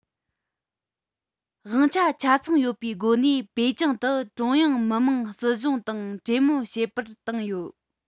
དབང ཆ ཆ ཚང ཡོད པའི སྒོ ནས པེ ཅིང དུ ཀྲུང དབྱང མི དམངས སྲིད གཞུང དང གྲོས མོལ བྱེད པར བཏང ཡོད